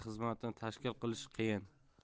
xizmatni tashkil qilish qiyin